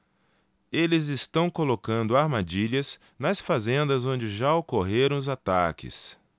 eles estão colocando armadilhas nas fazendas onde já ocorreram os ataques